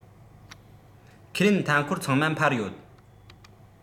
ཁས ལེན མཐའ སྐོར ཚང མ འཕར ཡོད